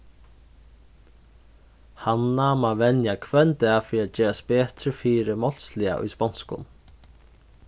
hanna má venja hvønn dag fyri at gerast betri fyri málsliga í sponskum